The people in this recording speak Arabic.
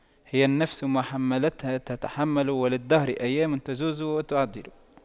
هي النفس ما حَمَّلْتَها تتحمل وللدهر أيام تجور وتَعْدِلُ